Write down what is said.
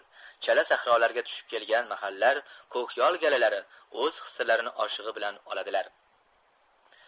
chala sahrolarga tushib kelgan mahallar ko'kyol galalari o'z hissalarini oshig'i bilan oladilar